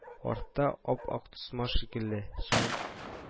Артта, ап-ак тасма шикелле чаң